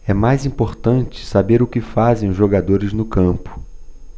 é mais importante saber o que fazem os jogadores no campo